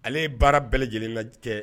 Ale ye baara bɛɛ lajɛlen lajɛ kɛ